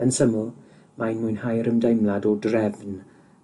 Yn syml, mae'n mwynhau'r ymdeimlad o drefn